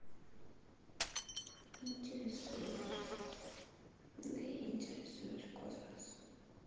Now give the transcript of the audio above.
интересуюсь да я интересуюсь космосом